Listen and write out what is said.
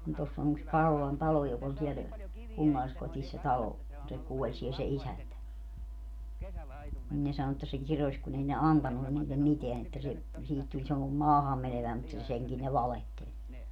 niin tuossa on yksi Karolan talo joka oli siellä kunnalliskodissa se talo kun se kuoli siellä se isäntä niin ne sanoi että se kirosi kun ei ne antanut niille mitään että se siihen tuli - maahanmeneväinen mutta senkin ne valehteli